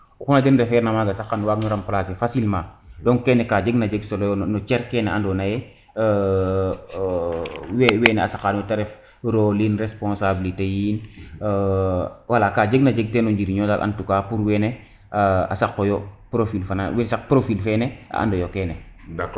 oxu na den referna na maga sax xano waag no remplacer facilement donc kene ka jeg na jeg solo yo cerkene ando naye wene a saqano yo te ref role in resposablité yiin wala ka jeg na jeg teno njiriño dal en tout cas pour wene a saqo yo profil fene a dno yo kene